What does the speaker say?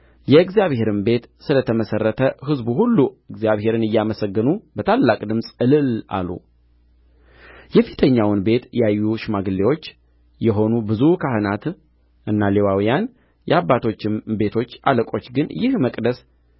የእግዚአብሔርም ቤት ስለ ተመሠረተ ሕዝቡ ሁሉ እግዚአብሔርን እያመሰገኑ በታላቅ ድምፅ እልል አሉ የፊተኛውን ቤት ያዩ ሽማግሌዎች የሆኑ ብዙ ካህናትና ሌዋውያን የአባቶችም ቤቶች አለቆች ግን ይህ መቅደስ